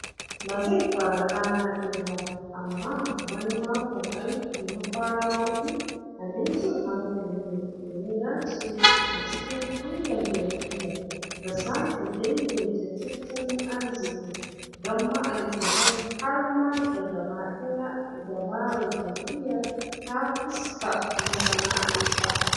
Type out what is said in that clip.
Ba zai faru rana ɗaya ba amma wani makon aiki na kwana hudu abin jan hankali ne da ya dace a cikin hanyar jam'iyyar ga sake daidaita tattalin arziki don ma'aikacin har ma da gaba ɗaya dabarar jam'iyyar ta fuska masana'anta.'